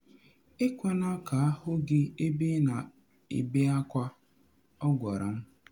“Ekwena ka ha hụ gị ebe ị na ebe akwa, “ọ gwara m.